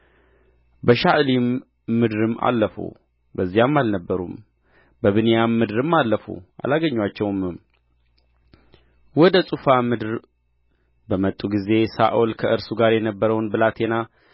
በሻዕሊም ምድርም አለፉ በዚያም አልነበሩም በብንያም ምድርም አለፉ አላገኙአቸውምም ወደ ጹፍ ምድር በመጡ ጊዜም ሳኦል ከእርሱ ጋር የነበረውን ብላቴና